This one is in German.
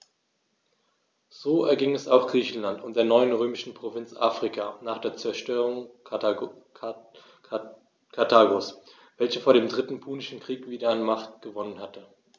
So erging es auch Griechenland und der neuen römischen Provinz Afrika nach der Zerstörung Karthagos, welches vor dem Dritten Punischen Krieg wieder an Macht gewonnen hatte.